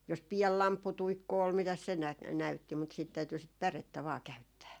jos pieni lampputuikku oli mitäs se - näytti mutta sitten täytyi sitä pärettä vain käyttää